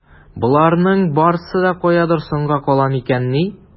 Боларның барсы да каядыр соңга кала микәнни?